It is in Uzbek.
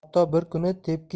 hatto bir kuni tepki